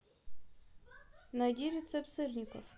найди рецепт сырников